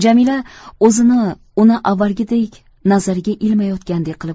jamila o'zini uni avvalgidek nazariga ilmayotgandek qilib